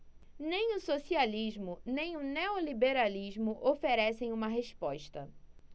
nem o socialismo nem o neoliberalismo oferecem uma resposta